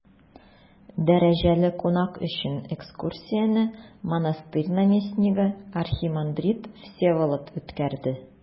Дәрәҗәле кунак өчен экскурсияне монастырь наместнигы архимандрит Всеволод үткәрде.